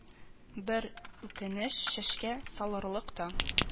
Бер үкенеч: чәчкә салырлык та